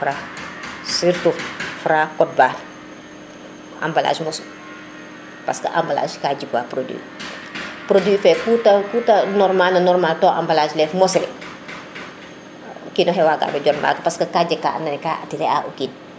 Fra code barre surtout Fra code barre embalage mosu parce que : fra embalage ka jikwa produit produit fe ku ku te normale na normale to embalage ne mose o kinoxe wagano joon maga parce que ka jeg ka na naye ka attirer a o kiin